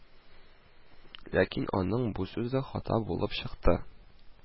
Ләкин аның бу сүзе хата булып чыкты